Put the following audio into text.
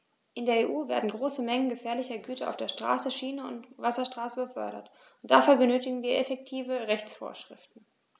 In der EU werden große Mengen gefährlicher Güter auf der Straße, Schiene und Wasserstraße befördert, und dafür benötigen wir effektive Rechtsvorschriften.